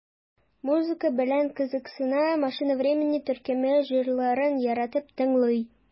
Музыка белән кызыксына, "Машина времени" төркеме җырларын яратып тыңлый.